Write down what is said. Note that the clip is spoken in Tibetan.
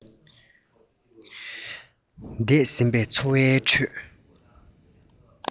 འདས ཟིན པའི འཚོ བའི ཁྲོད